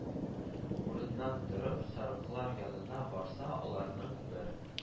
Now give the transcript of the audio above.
Урыныннан торып, сарыклар янына барса, аларның бер